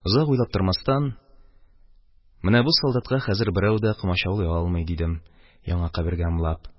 Озак уйлап тормастан: – Менә бу солдатка хәзер берәү дә комачаулый алмый, – дидем, яңа кабергә ымлап.